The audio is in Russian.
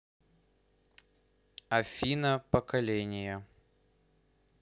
афина поколение